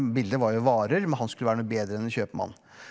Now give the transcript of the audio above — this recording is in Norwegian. bilder var jo varer men han skulle være noe bedre enn en kjøpmann.